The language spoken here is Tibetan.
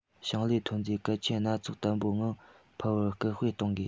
ཞིང ལས ཐོན རྫས གལ ཆེན སྣ ཚོགས བརྟན པོའི ངང འཕར བར སྐུལ སྤེལ གཏོང དགོས